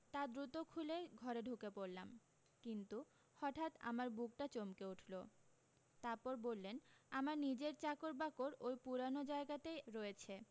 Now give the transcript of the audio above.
তা দ্রুত খুলে ঘরে ঢুকে পড়লাম কিন্তু হঠাত আমার বুকটা চমকে উঠলো তারপর বললেন আমার নিজের চাকরবাকর ওই পুরানো জায়গাতেই রয়েছে